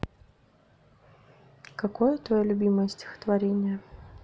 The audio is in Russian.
какое твое любимое стихотворение